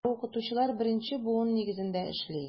Ә укытучылар беренче буын нигезендә эшли.